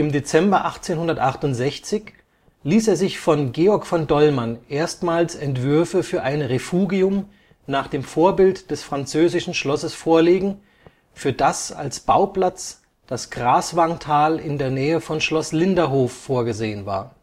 Dezember 1868 ließ er sich von Georg von Dollmann erstmals Entwürfe für ein Refugium nach dem Vorbild des französischen Schlosses vorlegen, für das als Bauplatz das Graswangtal in der Nähe von Schloss Linderhof vorgesehen war